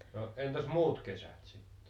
no entäs muut kesät sitten